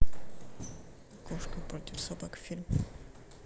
кошки против собак фильм